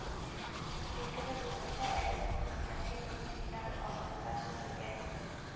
Билгеле булганча, әлеге кунакханә елның сентябрь ахырында сүтелгән иде